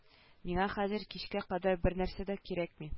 Миңа хәзер кичкә кадәр бернәрсә дә кирәкми